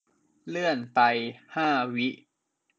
เลื่อนไปห้าวิ